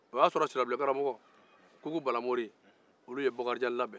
o y'a sɔrɔ sirabilenkaramɔgɔ kukubalamori oluw ye bakarijan labɛn